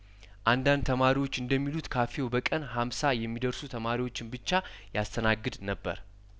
አንዳንድ ተማሪዎች እንደሚሉት ካፌው በቀን ሀምሳ የሚደርሱ ተማሪዎችን ብቻ ያስተናግድ ነበር